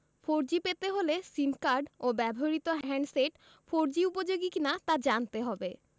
four G পেতে হলে SIM card ও ব্যবহৃত হ্যান্ডসেট ফোরজি উপযোগী কিনা তা জানতে হবে